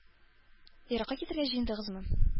Еракка китәргә җыендыгызмы?